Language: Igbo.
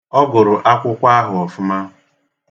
Ọ gụrụ akwụkwọ ahụ ọfụma.